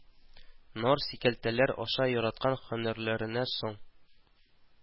Нар, сикәлтәләр аша яраткан һөнәрләренә соң